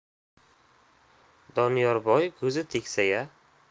doniyorboy ko'z tiksaya